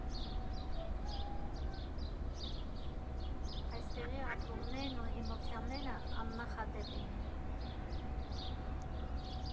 Այստեղի ապրումներն ու էմոցիաներն աննախադեպ էին։